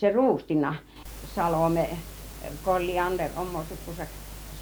se ruustinna Salome Kolliander omaa sukuansa